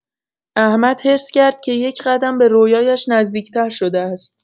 احمد حس کرد که یک‌قدم به رویایش نزدیک‌تر شده است.